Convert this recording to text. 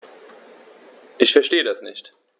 Ich verstehe das nicht.